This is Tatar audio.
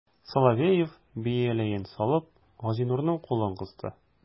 Соловеев, бияләен салып, Газинурның кулын кысты.